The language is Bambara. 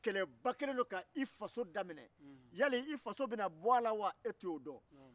adamadeyataasira o tɛ donna denw kɔrɔ bin dɛ denmasaw yɛrɛ bɛ sira denw ɲɛ